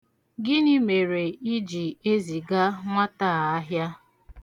Gịnị mere ị ji eziga nwata a ahịa?